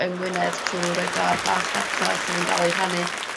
yng Ngwyned trw roid o ar bas data sydd yn ga'l eu rhannu